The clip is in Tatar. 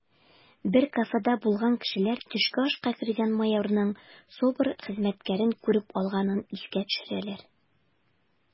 Бер кафеда булган кешеләр төшке ашка кергән майорның СОБР хезмәткәрен күреп алганын искә төшерәләр: